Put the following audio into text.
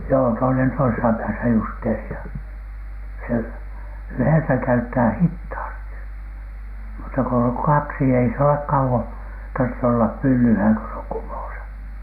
joo toinen toisessa päässä justeeria se yhdessä käyttää hitaasti mutta kun on kaksi ei se ole kauan tarvitse olla pyllyllään kun se on kumossa